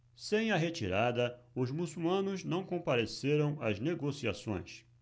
sem a retirada os muçulmanos não compareceram às negociações